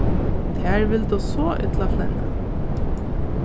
tær vildu so illa flenna